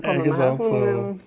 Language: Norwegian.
ikke sant så.